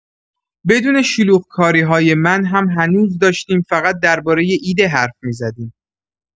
بدون شلوغ‌کاری‌های من هم هنوز داشتیم فقط دربارۀ ایده حرف می‌زدیم.